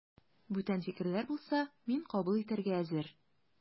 Бүтән фикерләр булса, мин кабул итәргә әзер.